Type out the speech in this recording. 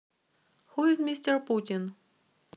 who is mister putin